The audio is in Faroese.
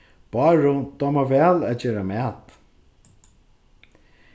báru dámar væl at gera mat